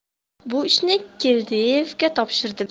bu ishni keldievga topshirdim